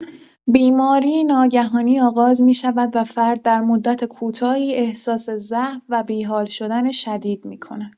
بیماری ناگهانی آغاز می‌شود و فرد در مدت کوتاهی احساس ضعف و بی‌حال شدن شدید می‌کند.